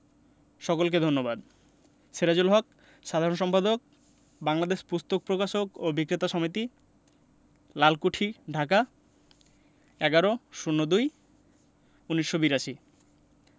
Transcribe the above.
সকলকে ধন্যবাদ সেরাজুল হক সাধারণ সম্পাদক বাংলাদেশ পুস্তক প্রকাশক ও বিক্রেতা সমিতি লালকুঠি ঢাকা ১১/০২/১৯৮২